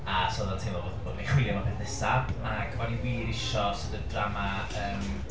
A so oedd o'n teimlo fatha bo' ni'n chwilio am y peth nesa, ac o'n i wir isio sort of drama, yym...